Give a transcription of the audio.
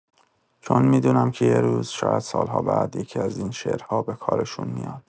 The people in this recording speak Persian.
چون می‌دونم که یه روز، شاید سال‌ها بعد، یکی‌از این شعرها به کارشون میاد.